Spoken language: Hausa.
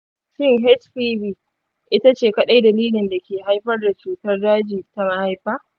shin hpv ita ce kaɗai dalilin da ke haifar da cutar daji ta mahaifa ?